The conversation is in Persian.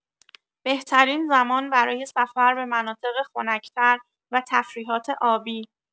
بهترین زمان برای سفر به مناطق خنک‌تر و تفریحات آبی.